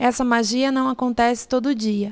essa magia não acontece todo dia